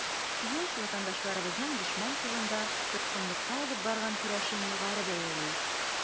Съезд ватандашларыбызның дошман тылында, тоткынлыкта алып барган көрәшен югары бәяли.